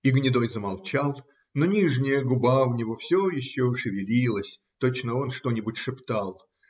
И гнедой замолчал, но нижняя губа у него все еще шевелилась, точно он что-нибудь шептал.